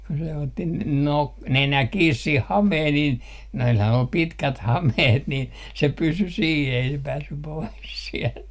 kun se otti -- nenä kiinni siihen hameeseen niin noillahan oli pitkät hameet niin se pysyi siinä ei se päässyt pois sieltä